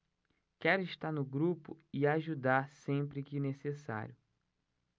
quero estar no grupo e ajudar sempre que necessário